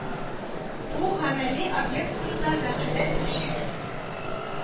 Бу гамәли объект турында мәкалә төпчеге